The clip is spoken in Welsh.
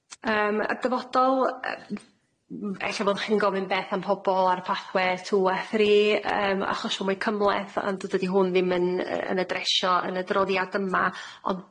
Yym y dyfodol yy m- ella fodd chi'n gofyn beth am pobol ar pathwe two a three yym achosion mwy cymhleth ond dydi hwn ddim yn yy yn adresio yn y droddiad yma ond